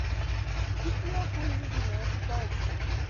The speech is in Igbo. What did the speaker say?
Isiokwu ndị dị n'akụkọ bụ: